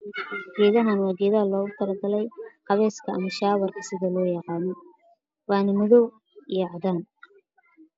Geedahaan waa geedaha loogu tala galay qabeeska ama shaawarka waxa loo yaqaano waana madow iyo caddaan